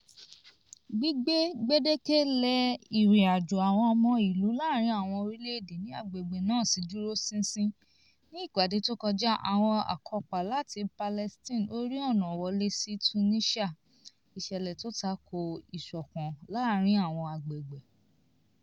Gbígbé gbèdéke lé ìrìnàjó àwọn ọmọ ilú láàárin àwọn orílè èdè ní agbègbè náà ṣì dúró ṣinṣin (ní ìpàdé tó kọjá, àwọn akópa láti Palestine ò rí ọ̀nà wọlé sí Tunisia) ìṣẹ̀lẹ̀ tó tako ìsọ̀kan láàárìn àwọn agbègbè.